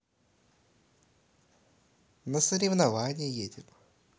на соревнования едем